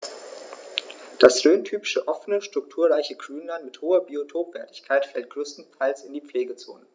Das rhöntypische offene, strukturreiche Grünland mit hoher Biotopwertigkeit fällt größtenteils in die Pflegezone.